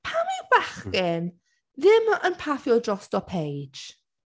Pam yw bechgyn ddim yn paffio drosto Paige?